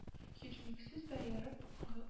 Һичмиксез бәереп